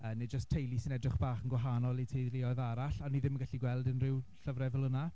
Yy neu jyst teulu sy'n edrych bach yn gwahanol i teuluoedd arall, a ni ddim yn gallu gweld unrhyw llyfrau fel yna.